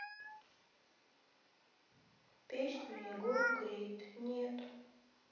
песню егор крид нет